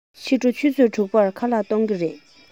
ཕྱི དྲོ ཆུ ཚོད དྲུག པར ཁ ལག གཏོང གི རེད